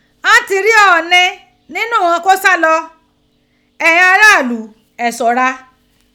Ghan ti rí Ọọ̀nì nínú ighan kó sálọ, ẹ̀yin ará ìlú, ẹ ṣọ́ra